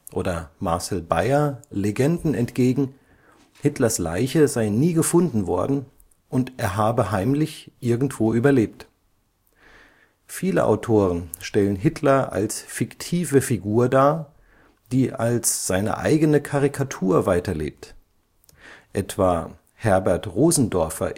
oder Marcel Beyer Legenden entgegen, Hitlers Leiche sei nie gefunden worden und er habe heimlich irgendwo überlebt. Viele Autoren stellen Hitler als fiktive Figur dar, die als seine eigene Karikatur weiterlebt: etwa Herbert Rosendorfer